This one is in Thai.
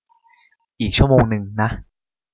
อีกชั่วโมงนึงนะ